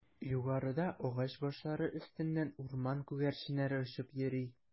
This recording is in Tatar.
Югарыда агач башлары өстеннән урман күгәрченнәре очып йөри.